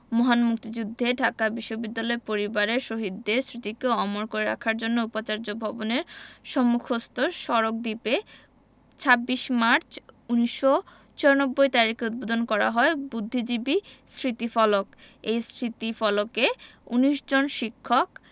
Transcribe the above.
মহান মুক্তিযুদ্ধে ঢাকা বিশ্ববিদ্যালয় পরিবারের শহীদদের স্মৃতিকে অমর করে রাখার জন্য উপাচার্য ভবনের সম্মুখস্থ সড়ক দ্বীপে ২৬ মার্চ ১৯৯৪ তারিখে উদ্বোধন করা হয় বুদ্ধিজীবী স্মৃতিফলক এই স্থিতিফলকে ১৯ জন শিক্ষক